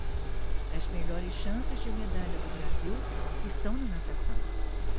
as melhores chances de medalha do brasil estão na natação